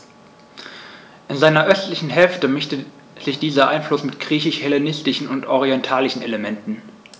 In seiner östlichen Hälfte mischte sich dieser Einfluss mit griechisch-hellenistischen und orientalischen Elementen.